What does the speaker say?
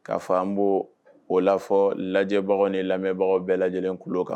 K' fɔ anbo o la fɔ lajɛbagaw ni lamɛnbagaw bɛɛ lajɛ lajɛlen kulu kan